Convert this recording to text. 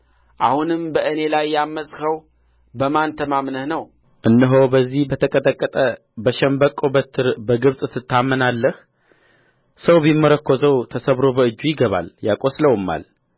አሁንም በእኔ ላይ ያመፅኸው በማን ተማምነህ ነው እነሆ በዚህ በተቀጠቀጠ በሸምበቆ በትር በግብጽ ትታመናለህ ሰው ቢመረኰዘው ተሰብሮ በእጁ ይገባል ያቈስለውማል